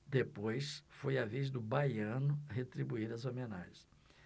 depois foi a vez do baiano retribuir as homenagens